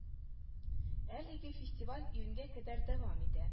Әлеге фестиваль июньгә кадәр дәвам итә